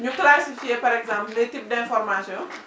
ñu classifier par exemple les types d' information